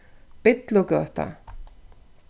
billugøta